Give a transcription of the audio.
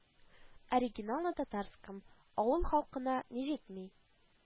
Оригинал на татарском: Авыл халкына ни җитми